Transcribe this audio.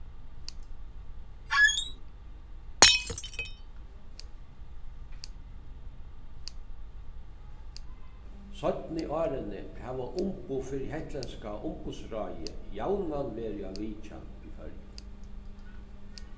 seinni árini hava umboð fyri hetlendska umboðsráðið javnan verið á vitjan í føroyum